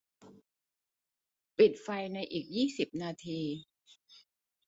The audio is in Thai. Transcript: ปิดไฟในอีกยี่สิบนาที